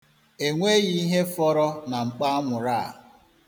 E nweghị ihe fọrọ na mkpo anwụrụ a.